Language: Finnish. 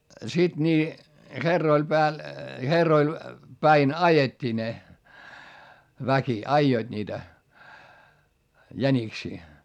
sitten niin herroille päällä herroille päin ajettiin ne väki ajoivat niitä jäniksiä